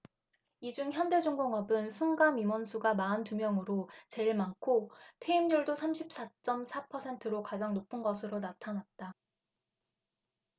이 중 현대중공업은 순감 임원수가 마흔 두 명으로 제일 많고 퇴임률도 삼십 사 쩜 사 퍼센트로 가장 높은 것으로 나타났다